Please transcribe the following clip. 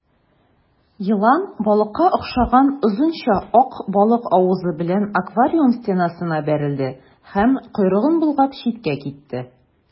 Елан балыкка охшаган озынча ак балык авызы белән аквариум стенасына бәрелде һәм, койрыгын болгап, читкә китте.